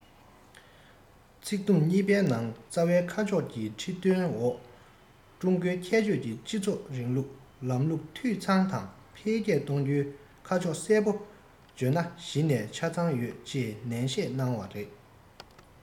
ཚིག དུམ གཉིས པའི ནང རྩ བའི ཁ ཕྱོགས ཀྱི ཁྲིད སྟོན འོག ཀྲུང གོའི ཁྱད ཆོས ཀྱི སྤྱི ཚོགས རིང ལུགས ལམ ལུགས འཐུས ཚང དང འཕེལ རྒྱས གཏོང རྒྱུའི ཁ ཕྱོགས གསལ པོ བརྗོད ན གཞི ནས ཆ ཚང ཡོད ཅེས ནན བཤད གནང བ རེད